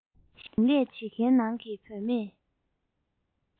ཞིང ལས བྱེད མཁན ནང གི བུ མེད